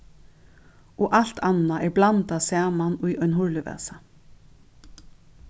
og alt annað er blandað saman í ein hurlivasa